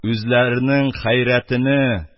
Үзләренең хәйрәтене